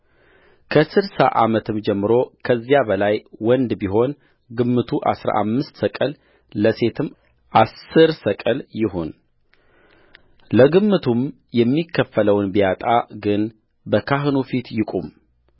ከስድሳ ዓመትም ጀምሮ ከዚያም በላይ ወንድ ቢሆን ግምቱ አሥራ አምስት ሰቅል ለሴትም አሥር ሰቅል ይሁንለግምቱም የሚከፍለውን ቢያጣ ግን በካህኑ ፊት ይቁም